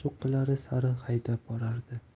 cho'qqilari sari haydab borardi